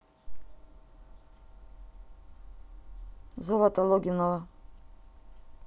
золото логинова